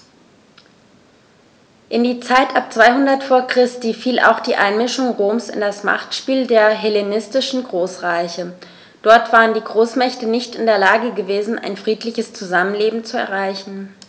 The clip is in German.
In die Zeit ab 200 v. Chr. fiel auch die Einmischung Roms in das Machtspiel der hellenistischen Großreiche: Dort waren die Großmächte nicht in der Lage gewesen, ein friedliches Zusammenleben zu erreichen.